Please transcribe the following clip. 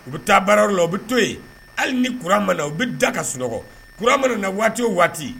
U bɛ taa baarayɔrɔ la u bɛ to yen hali ni k ma na u bɛ da ka sunɔgɔ k ma na waati o waati